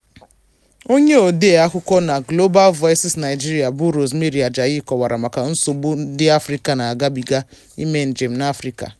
Onye odee akụkọ na Global Voices Naịjirịa bụ Rosemary Ajayi kọwara maka "nsogbu ndị Afrịka na-agabịga ime njem n'ime Afrịka".